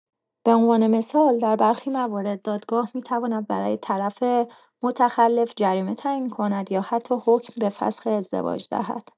به‌عنوان مثال، در برخی موارد، دادگاه می‌تواند برای طرف متخلف جریمه تعیین کند یا حتی حکم به فسخ ازدواج دهد.